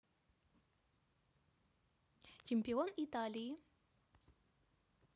чемпион италии